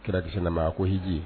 Kirakisɛse ne ma ko hji ye